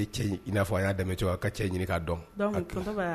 Cɛ in'a y'a dɛmɛcogo a ka cɛ ɲini k'a dɔn